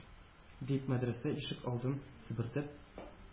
Дип, мәдрәсә ишек алдын себертеп,